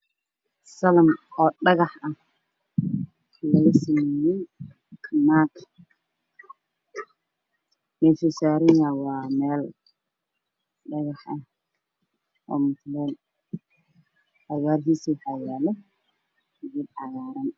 Waa dhagax madow wadahab ah meesha uu saaran yahay waa haddaan waxaa ka dambeeyay cows